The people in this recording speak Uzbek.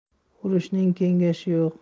urushning kengashi yo'q